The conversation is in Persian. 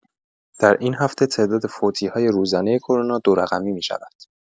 در این هفته تعداد فوتی‌های روزانه کرونا دو رقمی می‌شود.